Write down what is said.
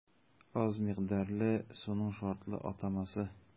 Аз микъдарлы суның шартлы атамасы.